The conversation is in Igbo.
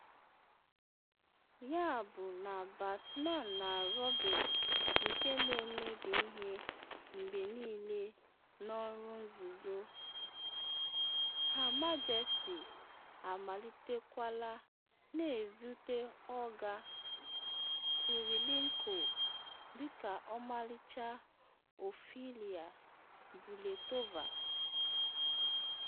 Yabụ na Batman na Robin nke na emebi ihe mgbe niile N’ọrụ Nzuzo Her Majesty amalitekwala, na-ezute Olga Kurylenko dịka ọmalicha Ophelia Bulletova.